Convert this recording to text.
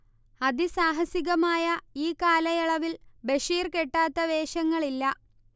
അതിസാഹസികമായ ഈ കാലയളവിൽ ബഷീർ കെട്ടാത്ത വേഷങ്ങളില്ല